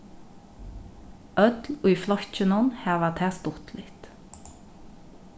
øll í flokkinum hava tað stuttligt